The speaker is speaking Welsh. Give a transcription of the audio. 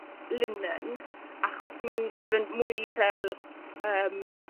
linen achos ma'n ma' fe'n mwy fel yym